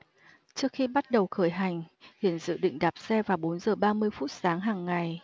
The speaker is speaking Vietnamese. trước khi bắt đầu khởi hành hiển dự định đạp xe vào bốn giờ ba mươi phút sáng hàng ngày